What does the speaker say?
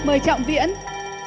mời trọng viễn